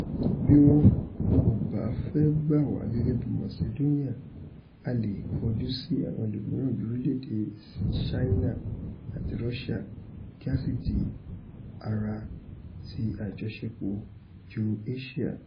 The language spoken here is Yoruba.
Bí wọn kòbá fẹ́ gbà wá gẹ́gẹ́bí Masidóníà, a leè kọjú sí àwọn ẹlòmíràn bíi orílẹ̀-èdè Ṣáínà àti Rọ́síà kí á sì dí ara ti àjọṣepọ̀ Euro-Asia.